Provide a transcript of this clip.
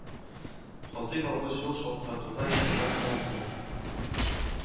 Хатыйп абый шул шалтыратуга игътибар юнәлтте